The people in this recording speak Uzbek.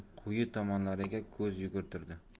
quyi tomonlariga ko'z yugurtirdi